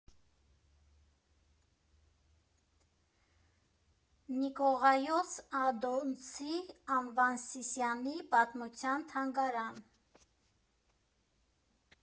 Նիկողայոս Ադոնցի անվան Սիսիանի պատմության թանգարան։